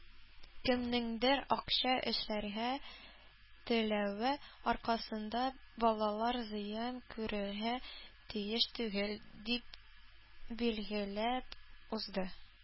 “кемнеңдер акча эшләргә теләве аркасында балалар зыян күрергә тиеш түгел”, - дип билгеләп узды.